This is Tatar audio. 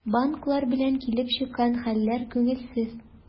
Банклар белән килеп чыккан хәлләр күңелсез.